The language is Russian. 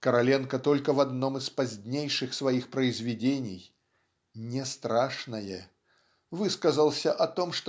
Короленко только в одном из позднейших своих произведений "Не страшное" высказался о том